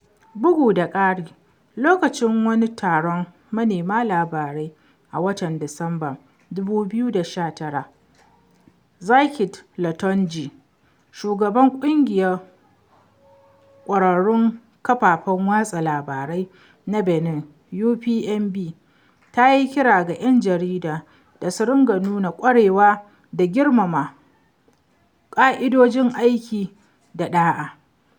Bugu da ƙari, lokacin wani taron manema labarai a watan Disambar 2019, Zakiath Latondji, shugaban ƙungiyar ƙwararrun kafafen watsa labarai na Benin (UPMB), ta yi kira ga ‘yan jarida da su ringa nuna ƙwarewa da girmama ƙa’idojin aiki da ɗa'a.